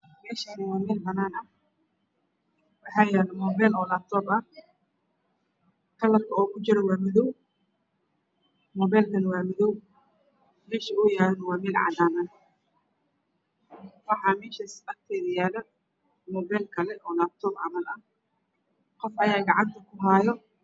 Meshaan waa mel banan ah waxa yaalo mopeel laptoo ah kalarka uu ku joro waa mopeel madow moopel kana waa madow messha uu yaalan waa mel cadaana ah waxa meshaans agteeda yaalo mopeel kale oo laptoop camal aha qof ayaa gacnta ku haayo